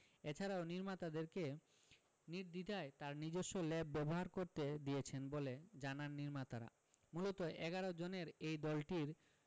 এছাড়াও নির্মাতাদেরকে নির্দ্বিধায় তার নিজস্ব ল্যাব ব্যবহার করতে দিয়েছেন বলে জানান নির্মাতারামূলত ১১ জনের এই দলটির